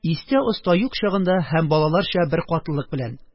Истә-оста юк чагында һәм балаларча беркатлылык белән: